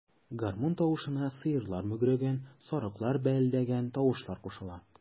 Гармун тавышына сыерлар мөгрәгән, сарыклар бәэлдәгән тавышлар кушыла.